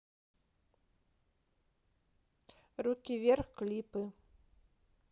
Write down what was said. руки вверх клипы